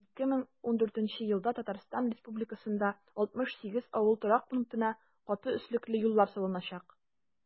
2014 елда татарстан республикасында 68 авыл торак пунктына каты өслекле юллар салыначак.